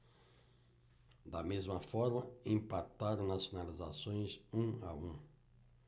da mesma forma empataram nas finalizações um a um